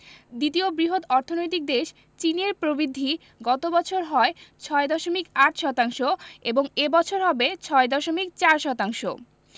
দ্বিতীয় বৃহৎ অর্থনৈতিক দেশ চীনের প্রবৃদ্ধি গত বছর হয় ৬.৮ শতাংশ এবং এ বছর হবে ৬.৪ শতাংশ